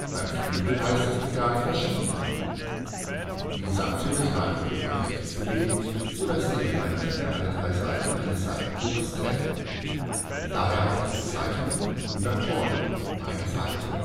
Beim Flügel heißt das Pedal „ Verschiebung “. Die gesamte Mechanik wird nach rechts bewegt, so dass die Hämmer nicht mehr alle drei Saiten eines Saitenchors treffen – daher auch die Bezeichnung una corda („ eine Saite